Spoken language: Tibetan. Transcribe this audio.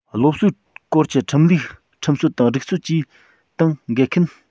སློབ གསོའི སྐོར གྱི ཁྲིམས ལུགས ཁྲིམས སྲོལ དང སྒྲིག སྲོལ བཅས དང འགལ མཁན